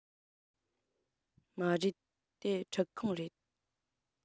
མ རེད དེ ཁྲུད ཁང རེད